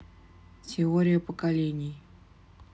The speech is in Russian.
теория поколений